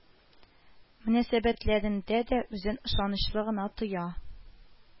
Мөнәсәбәтләрендә дә үзен ышанычлы гына тоя